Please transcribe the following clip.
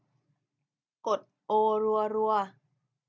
กดโอรัวรัว